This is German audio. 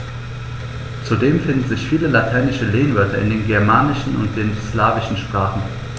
Zudem finden sich viele lateinische Lehnwörter in den germanischen und den slawischen Sprachen.